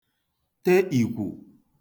te ìkwù